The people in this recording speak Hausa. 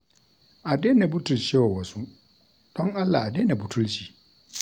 A daina butulcewa wasu, don Allah a daina butulci.